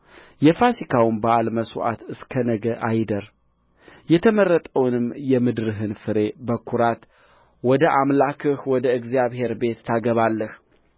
የፋሲካውም በዓል መሥዋዕት እስከ ነገ አይደር የተመረጠውን የምድርህን ፍሬ በኵራት ወደ አምላክህ ወደ እግዚአብሔር ቤት ታገባለህ